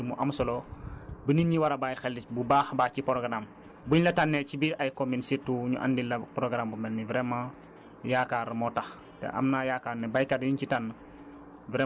donc loolu tamit dafa mbir dafa nekk mbir boo xamante ni mbir mu am solo bu nit ñi war a bàyyi xel bu baax a baax ci programme bu ñu la tànnee ci biir ay communes surtout ñu andil la programme bu mel nii vraiment yaakaar moo tax